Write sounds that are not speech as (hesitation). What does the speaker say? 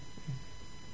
(hesitation)